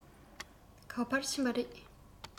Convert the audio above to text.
ག པར ཕྱིན པ རེད